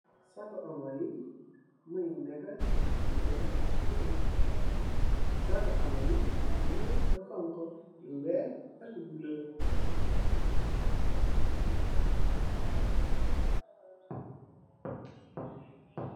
sako omo yii mungi neke ci bene betic Sako omo yii mungi ame lu xonxu lu wex ak lu bula